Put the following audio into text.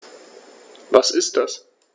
Was ist das?